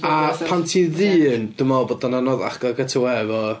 A pan ti'n ddyn, dwi'n meddwl bod o'n anoddach i cael get away efo...